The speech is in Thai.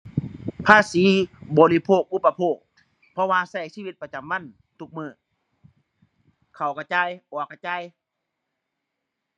ภาษีบริโภค อุปโภค เพราะว่าใช้ชีวิตประจำวันทุกมื้อ เข้าใช้จ่าย ออกใช้จ่าย